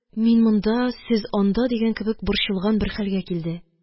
Мин монда, сез анда, дигән кебек борчылган бер хәлгә килде